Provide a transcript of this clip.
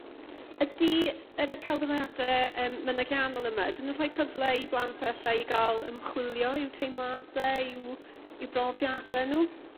Ydi yr yrr celfyddaiade yrr mynygiannol yma ydyn nhw'n rhoi cyfle i blant efallai i ga'l ymchwilio i'w teimlade i'w i'w brofiade nhw?